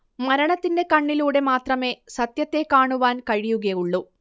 മരണത്തിന്റെ കണ്ണിലൂടെ മാത്രമേ സത്യത്തെ കാണുവാൻ കഴിയുകയുള്ളു